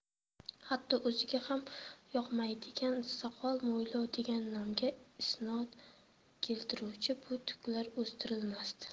hatto o'ziga ham yoqmaydigan soqol mo'ylov degan nomga isnod keltiruvchi bu tuklar o'stirilmasdi